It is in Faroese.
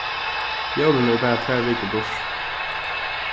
jólini eru bara tvær vikur burtur